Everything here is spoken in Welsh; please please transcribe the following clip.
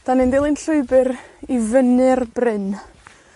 'Dan ni'n dilyn llwybyr i fyny'r bryn.